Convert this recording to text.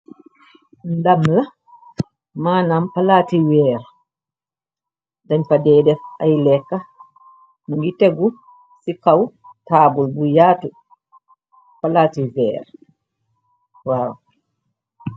Ndap la maanam palaati weer dañ fadee def ay lekka nangi tegu ci kaw taabul bu yaatu palaati veer.